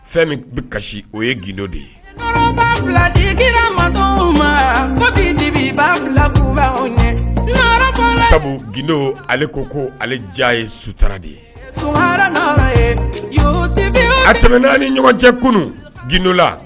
Fɛn min bɛ kasi o ye gdo de ye ma gdo ale ko ko ale ja ye suta de ye tɛmɛna ni ɲɔgɔn cɛ kunun gdo la